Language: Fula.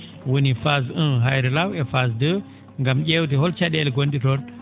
woni phase 1 Ayre Law e phase deux gam ?eewde hol ca?eele ngon?e toon